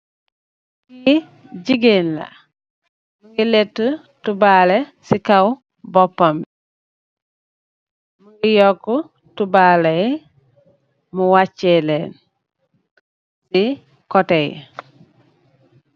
Li gigeen la mugeh lèttu tibbaleh ci kaw bópambi, mugii yóku timbale yi mu wacee lèèn ci koteh yi.